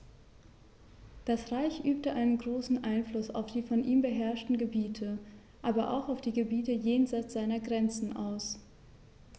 Das Reich übte einen großen Einfluss auf die von ihm beherrschten Gebiete, aber auch auf die Gebiete jenseits seiner Grenzen aus.